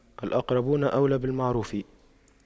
الأقربون أولى بالمعروف